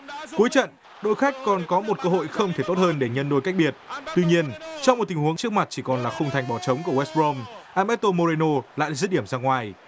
cuối trận đội khách còn có một cơ hội không thể tốt hơn để nhân đôi cách biệt tuy nhiên trong một tình huống trước mặt chỉ còn là khung thành bỏ trống của quét sờ bờ rôm an bét tô mô rê nô lại dứt điểm ra ngoài